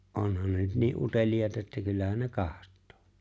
onhan ne nyt niin uteliaita että kyllähän ne katsoo